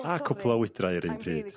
A cwpl o wydrau yr un pryd.